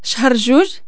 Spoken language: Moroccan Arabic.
شهر جوج